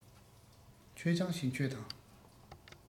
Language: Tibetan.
མཆོད ཆང ཞིག མཆོད དང